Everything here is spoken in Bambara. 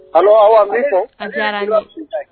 Ɔwɔ bɛ fɔ an kɛra